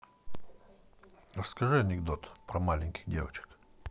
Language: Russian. расскажи анекдот про маленьких девочек